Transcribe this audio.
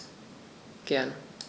Gern.